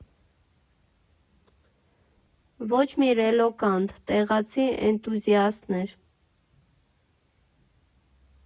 Ոչ մի ռելոկանտ՝ տեղացի էնտուզիաստներ։